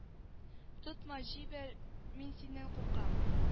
Тотма җибәр мин синнән куркам